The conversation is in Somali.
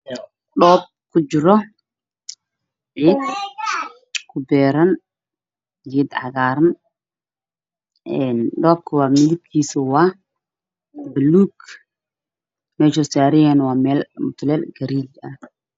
Koob cadaan waxaa ku jira ciid waxaa ka baxaya ubax cagaaran mutuleelka waa garay